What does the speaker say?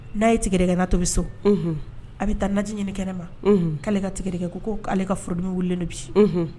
N'a ye tigɛdɛkɛna tobi so, unhun, a bɛ taa naji ɲini kɛnɛ ma k'ale ka tigɛdɛkɛ ko ale ka furudimiin wele dɔ bi, unhun.